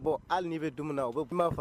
Bon hali ni be dumuni na o be kuma